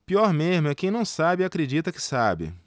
pior mesmo é quem não sabe e acredita que sabe